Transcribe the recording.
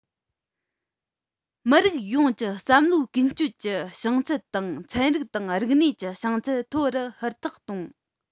མི རིགས ཡོངས ཀྱི བསམ བློའི ཀུན སྤྱོད ཀྱི བྱང ཚད དང ཚན རིག དང རིག གནས ཀྱི བྱང ཚད མཐོ རུ ཧུར ཐག གཏོང